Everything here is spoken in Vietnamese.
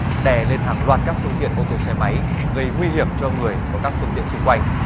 đè lên hàng loạt các phương tiện ô tô xe máy gây nguy hiểm cho người qua các phương tiện xung quanh